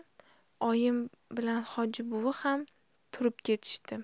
oyim bilan hoji buvi ham turib ketishdi